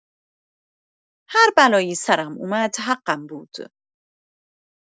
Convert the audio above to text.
هر بلایی سرم اومد حقم بود.